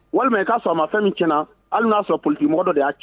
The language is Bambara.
Walima i'a sɔn a ma fɛn min ti na hali y'a sɔrɔ politigikimɔgɔ dɔ y'a cɛ